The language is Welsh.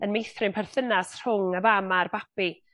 yn meithrin perthynas rhwng y fam a'r babi.